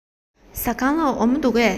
ཟ ཁང ལ འོ མ འདུག གས